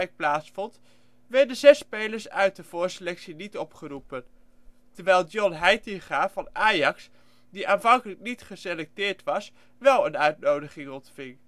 plaatsvond, werden zes spelers uit de voorselectie niet opgeroepen, terwijl John Heitinga van Ajax, die aanvankelijk niet geselecteerd was, wel een uitnodiging ontving